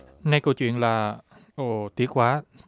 này câu chuyện là ồ tiếc quá